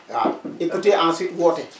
waaw écouter ensuite woote